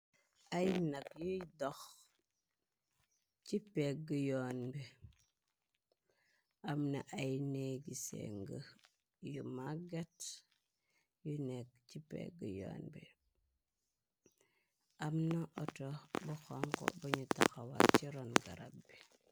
Ay nag yuy dox ci pegg yoon bi am na ay néegise ngë yu maggat. Yu nekk ci pegg yoon bi. Amna otto bu xonx bunu taxawal ci ron garab bi.